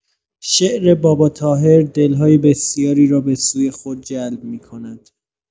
شعر باباطاهر دل‌های بسیاری را به سوی خود جلب می‌کند.